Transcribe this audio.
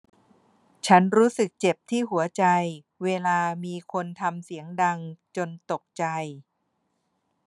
ฉันรู้สึกเจ็บที่หัวใจเวลามีคนทำเสียงดังจนตกใจ